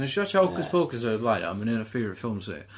Wnes i watsiad Hocus Pocus diwrnod o blaen iawn mae'n un o favourite films fi.